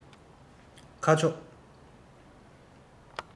ཁ ཕྱོགས